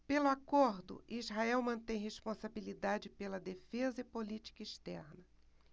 pelo acordo israel mantém responsabilidade pela defesa e política externa